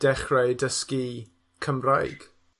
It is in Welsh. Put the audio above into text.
dechrau dysgu Cymraeg?